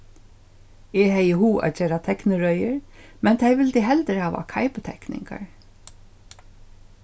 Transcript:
eg hevði hug at gera teknirøðir men tey vildu heldur hava keiputekningar